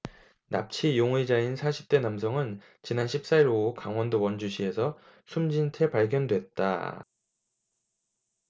납치 용의자인 사십 대 남성은 지난 십 사 일 오후 강원도 원주시에서 숨진채 발견됐다